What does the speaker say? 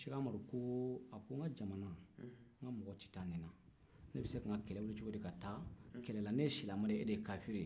sɛki amadu ko a ko n ka jamana n ka mɔgɔw tɛ taa ni na ne bɛ se ka n ka kɛlɛ wuli cogo di ka taa kɛlɛ la ne ye silamɛ de ye e de ye kafiri ye